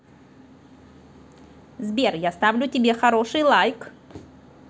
сбер я ставлю тебе хороший лайк